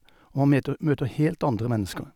Og man meter møter helt andre mennesker.